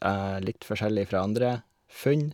Litt forskjellig fra andre funn.